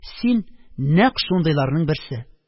Син – нәкъ шундыйларның берсе